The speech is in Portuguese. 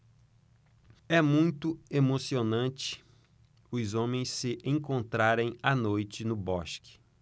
é muito emocionante os homens se encontrarem à noite no bosque